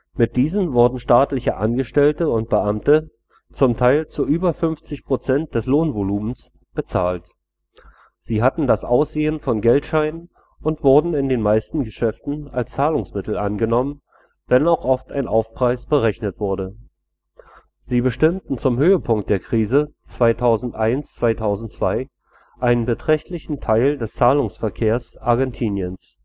Mit diesen wurden staatliche Angestellte und Beamte – zum Teil zu über 50% des Lohnvolumens – bezahlt. Sie hatten das Aussehen von Geldscheinen und wurden in den meisten Geschäften als Zahlungsmittel angenommen, wenn auch oft ein Aufpreis berechnet wurde. Sie bestimmten zum Höhepunkt der Krise 2001/02 einen beträchtlichen Teil des Zahlungsverkehrs Argentiniens